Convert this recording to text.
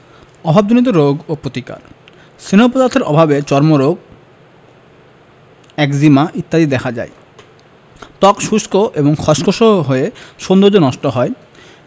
অভাবজনিত রোগ ও প্রতিকার স্নেহ পদার্থের অভাবে চর্মরোগ একজিমা ইত্যাদি দেখা দেয় ত্বক শুষ্ক এবং খসখসে হয়ে সৌন্দর্য নষ্ট হয়